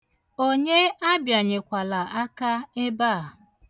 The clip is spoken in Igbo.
Onye abịanyekwala aka ebe a.